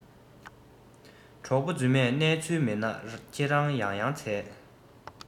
གྲོགས པོ རྫུན མས གནས ཚུལ མེད ན ཁྱེད རང ཡང ཡང འཚལ